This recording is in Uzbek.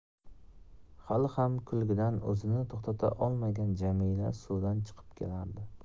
hali ham kulgidan o'zini to'xtata olmagan jamila suvdan chiqib kelardi